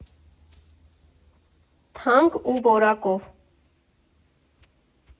Թանկ ու որակով։